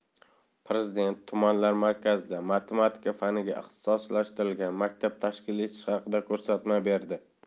prezident tumanlar markazida matematika faniga ixtisoslashtirilgan maktab tashkil etish haqida ko'rsatma berdi